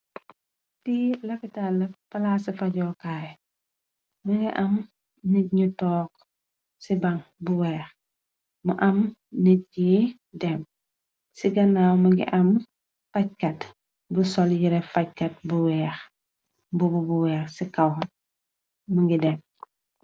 Li lopital la palasi i fajookaay mongi am nit yu toog ci bang bu weex mu am nit yi dem ci ganaaw mogi am fajkat bu sol yere fajkat bu weex bubu bu weex ci kaw mogi dem.